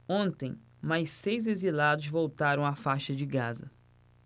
ontem mais seis exilados voltaram à faixa de gaza